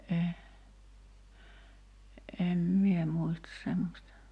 en en minä muista semmoista